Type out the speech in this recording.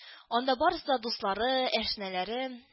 Анда барысы да дуслары, әшнәләре